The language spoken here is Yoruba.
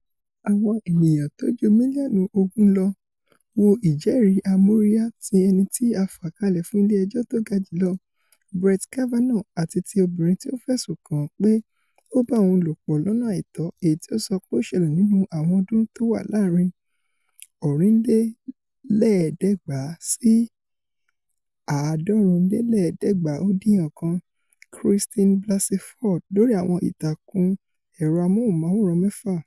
Àwọn ènìyàn tóju mílíọ̀nù ogún ló wo ìjẹ́ẹ̀rí amóríyá ti ẹnití a fàkalẹ̀ fún Ilé Ẹjọ́ tógajùlọ Brett Kavanaugh àti ti obìnrin tí o fẹ̀suǹ kàn án pé ó bá òun lòpọ̀ lọ́nà àìtọ́ èyití ó sọ pé ó ṣẹlẹ̀ nínú àwọn ọdún tówà láàrin1980 si 1989, Christine Blasey Ford, lórí àwọn ìtàkùn ẹrọ amóhùnmáwòrán mẹ́fà.